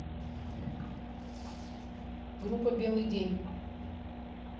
группа белый день